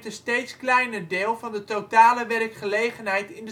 steeds kleiner deel van de totale werkgelegenheid